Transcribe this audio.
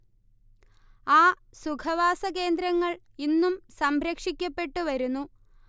ആ സുഖവാസകേന്ദ്രങ്ങൾ ഇന്നും സംരക്ഷിക്കപ്പെട്ടു വരുന്നു